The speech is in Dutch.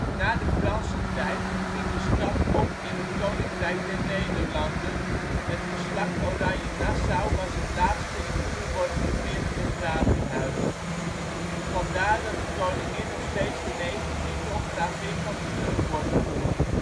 Na de Franse tijd ging de stad op in het Koninkrijk der Nederlanden. Het geslacht Oranje-Nassau was het laatste in Culemborg regerende gravenhuis. Vandaar dat de Koningin nog steeds de neventitel gravin van Culemborg voert